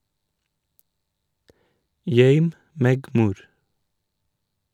"Gøym meg mor".